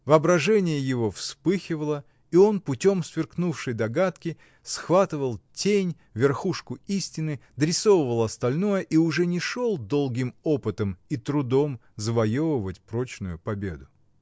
Воображение его вспыхивало, и он путем сверкнувшей догадки схватывал тень, верхушку истины, дорисовывал остальное и уже не шел долгим опытом и трудом завоевывать прочную победу.